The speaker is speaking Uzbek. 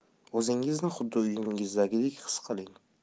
o'zingizni xuddi uyingizdagidek xis qiling